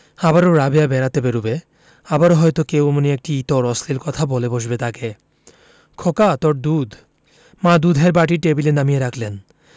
আবারও রাবেয়া বেড়াতে বেরুবে আবারো হয়তো কেউ এমনি একটি ইতর অশ্লীল কথা বলে বসবে তাকে খোকা তোর দুধ মা দুধের বাটি টেবিলে নামিয়ে রাখলেন